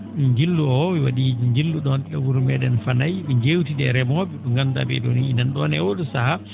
ngillu oo wa?ii njillo ?on e wuro me?en Fanay ?e njeewtidi e remoo?e ?e ngandu?aa ?ee?oo nii nan ?oon e oo?oo sahaa